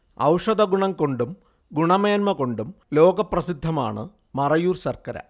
ഔഷധഗുണം കൊണ്ടും ഗുണമേൻമക്കൊണ്ടും ലോകപ്രസിദ്ധമാണ് മറയൂർ ശർക്കര